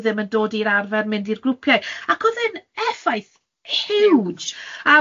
ddim yn dod i'r arfer mynd i'r grwpiau, ac oedd e'n effaith huge. Huge.